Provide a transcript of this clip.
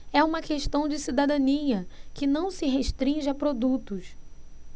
é uma questão de cidadania que não se restringe a produtos